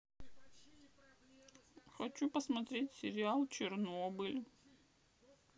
хочу посмотреть сериал чернобыль